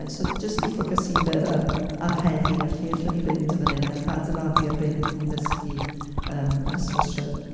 So just i ffocysu i'n fyr ar ar heddi a lle allwn ni fynd o fan hyn ac adeiladu ar be wnaethon ni ddysgu yym yn ystod y streic.